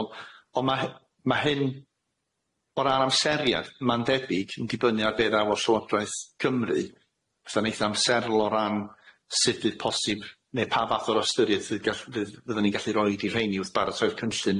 on' on' ma' hy- ma' hyn o ran amseriad ma'n debyg yn dibynnu ar be' ddaw a'r Llywodraeth Cymru fatha'n eitha amserl o ran sud fydd posib ne' pa fath o'r ystyriaeth fydd gall- fydd fyddwn ni'n gallu roid i rhein i wrth barat roi'r cynllun